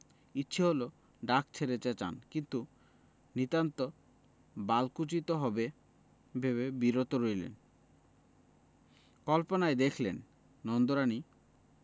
ইচ্ছে হলো ডাক ছেড়ে চেঁচান কিন্তু নিতান্ত বালকোচিত হবে ভেবে বিরত রইলেন কল্পনায় দেখলেন নন্দরানী